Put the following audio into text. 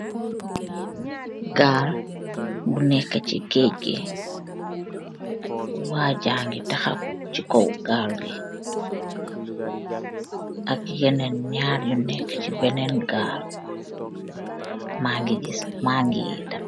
Gaal bu nekk ci kéej gi. Waajangi taxaw ci kow gaal gi. Ak yeneen ñaar yu nekk ci beneen gaal. Maa ngi iitam maangi.